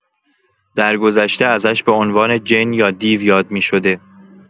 درگذشته ازش به عنوان جن یا دیو یاد می‌شده.